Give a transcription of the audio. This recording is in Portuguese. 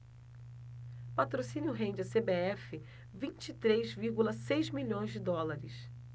patrocínio rende à cbf vinte e três vírgula seis milhões de dólares